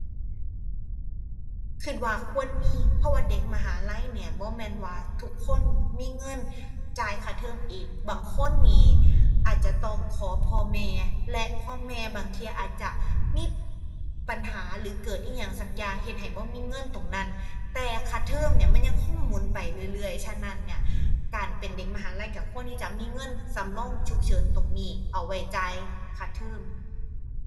คิดว่าควรมี เพราะว่าเด็กมหาลัยเนี่ยบ่แม่นว่าทุกคนมีเงินจ่ายค่าเทอมเอง บางคนนี่อาจจะต้องขอพ่อแม่ และพ่อแม่บางเที่ยอาจจะมีปัญหาหรือเกิดอิหยังสักอย่างเฮ็ดให้บ่มีเงินตรงนั้น แต่ค่าเทอมเนี่ยมันยังคงหมุนไปเรื่อยเรื่อย ฉะนั้นเนี่ย การเป็นเด็กมหาลัยคิดควรที่จะมีเงินสำรองฉุกเฉินตรงนี้ เอาไว้จ่ายค่าเทอม